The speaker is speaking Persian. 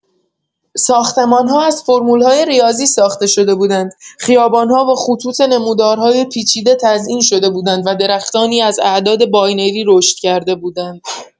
ساختمان‌ها از فرمول‌های ریاضی ساخته شده بودند، خیابان‌ها با خطوط نمودارهای پیچیده تزئین شده بودند و درختانی از اعداد باینری رشد کرده بودند.